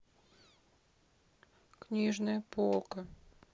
книжная полка